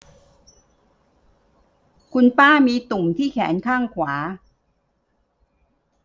คุณป้ามีตุ่มที่แขนข้างขวา